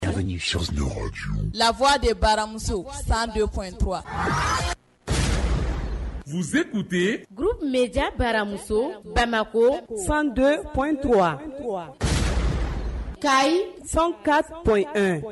Lafɔ de baramuso san dontu mue tun tɛ gbja baramuso bana ko san don kɔntu k ka fɛn ka pɔn